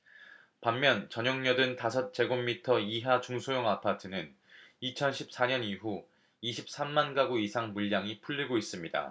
반면 전용 여든 다섯 제곱미터 이하 중소형 아파트는 이천 십 사 년 이후 이십 삼 만 가구 이상 물량이 풀리고 있습니다